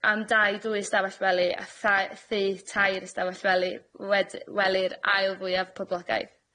am dai dwy ystafell wely a thai- thŷ tair ystafell wely wed- wely'r ail fwyaf poblogaidd.